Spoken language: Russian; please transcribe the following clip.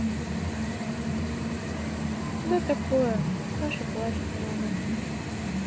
да такое саша плачет много